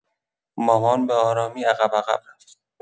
مامان به‌آرامی عقب‌عقب رفت.